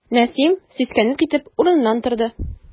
Нәсим, сискәнеп китеп, урыныннан торды.